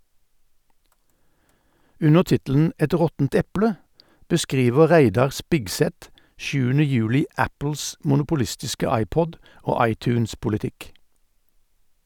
Under tittelen "Et råttent eple" beskriver Reidar Spigseth 7. juli Apples monopolistiske iPod- og iTunes-politikk.